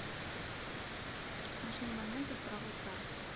смешные моменты в бравл старс